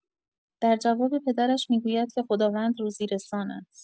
در جواب پدرش می‌گوید که خداوند روزی‌رسان است.